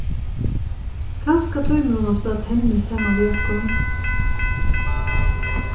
kanska tímir hon at spæla tennis saman við okkum